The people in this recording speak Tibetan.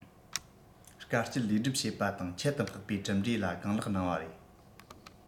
དཀའ སྤྱད ལས སྒྲུབ བྱེད པ དང ཁྱད དུ འཕགས པའི གྲུབ འབྲས ལ གང ལེགས གནང བ རེད